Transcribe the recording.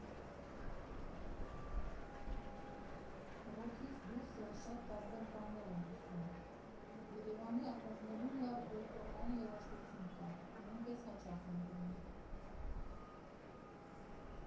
Ռոքից դուրս էլ շատ տարբեր բաներ եմ լսում, Երևանի ակումբներում լավ էլեկտրոնային երաժշտություն կա, նույնպես հաճախ եմ գնում։